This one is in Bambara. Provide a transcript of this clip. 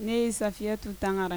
Ne yei saya tu tankarara